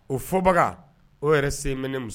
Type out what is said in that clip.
O fɔbaga o yɛrɛ sen mɛn ne muso